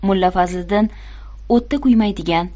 mulla fazliddin o'tda kuymaydigan